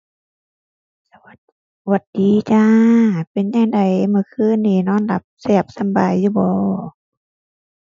หวัดดีจ้า เป็นจั่งใดเมื่อคืนนี้นอนหลับแซ่บสำบายอยู่บ่